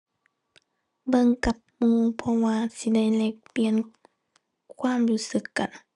เบิ่งกับหมู่ เพราะว่าสิได้แลกเปลี่ยนความรู้สึกกัน